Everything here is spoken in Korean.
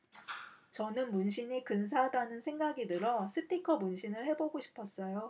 저는 문신이 근사하다는 생각이 들어 스티커 문신을 해 보고 싶었어요